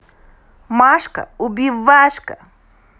машка убивашка